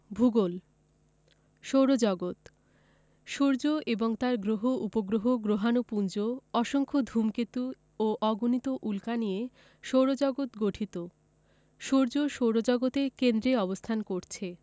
ভূগোল সৌরজগৎ সূর্য এবং তার গ্রহ উপগ্রহ গ্রহাণুপুঞ্জ অসংখ্য ধুমকেতু ও অগণিত উল্কা নিয়ে সৌরজগৎ গঠিত সূর্য সৌরজগতের কেন্দ্রে অবস্থান করছে